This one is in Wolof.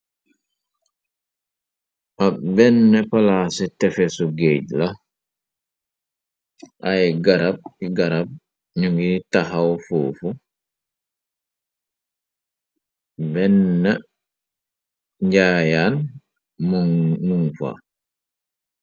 Ak benn palaa ci tefesu gaej la ay garab i garab ñu ngiy taxaw fuufu benn njaayaan munu fa.